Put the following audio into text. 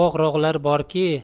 bog' rog'lar borki